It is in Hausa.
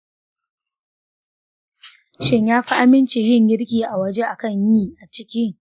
shin ya fi aminci yin girki a waje a kan yi a ciki?